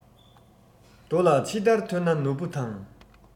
རྡོ ལ ཕྱི བདར ཐོན ན ནོར བུ དང